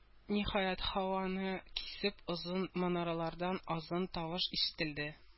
Ниһаять, һаваны кисеп озын манаралардан азан тавышы ишетелде.